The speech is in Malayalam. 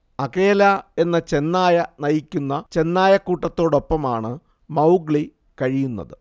അകേല എന്ന ചെന്നായ നയിക്കുന്ന ചെന്നായക്കൂട്ടത്തോടൊപ്പമാണ് മൗഗ്ലി കഴിയുന്നത്